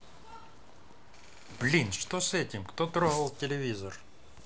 блин что с этим кто трогал телевизор